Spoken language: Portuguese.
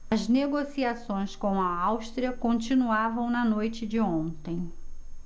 as negociações com a áustria continuavam na noite de ontem